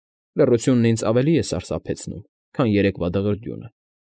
Լռությունն ինձ ավելի է սարսափեցնում, քան երեկվա դղրդյունը։